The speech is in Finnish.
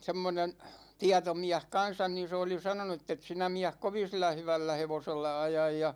semmoinen tietomies kanssa niin se oli sanonut että et sinä mies kovin sillä hyvällä hevosella aja ja